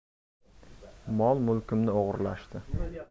mol mulkimni o'g'irlashdi